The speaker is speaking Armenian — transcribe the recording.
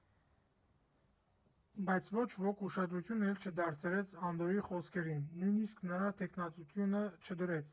Բայց ոչ ոք ուշադրություն էլ չդարձրեց Անդոյի խոսքերին՝ նույնիսկ նրա թեկնածությունը չդրեց։